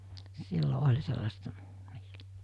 silloin oli sellaista niillä